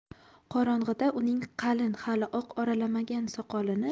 qorong'ida uning qalin hali oq oralamagan soqolini